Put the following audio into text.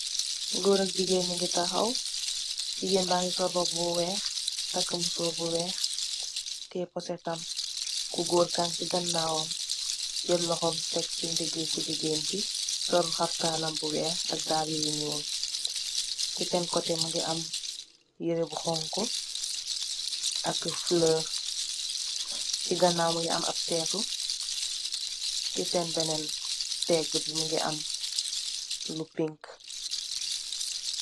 Góor ak jigéen ñu ngi taxaw, jigéen baa ngi sol robbu bu weex, takka musoor bu weex takkë musoor bu weex, tiye posset. Ku goor kaay ngi taxaw si ganaaw ku jigéen ki, tek loxom si ndigi ku jigéen ki, jël loxom tek dallam bu weex, ci seen kotte. yire bu xonxu, ak fuloor, ci ganaaw.